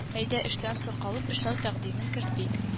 Әйдә, эштән соң калып эшләү тәкъдимен кертик